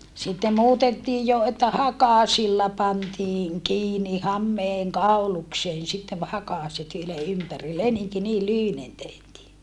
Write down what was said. sitten muutettiin jo että hakasilla pantiin kiinni hameen kaulukseen sitten hakaset ylen ympäri leninki niin lyhyinen tehtiin